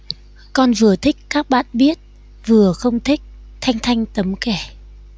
con vừa thích các bạn biết vừa không thích thanh thanh tấm kể